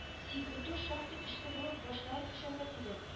Сикертү шактый көчле булып башлары түшәмгә тиде